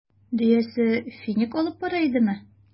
Дөясе финик алып бара идеме?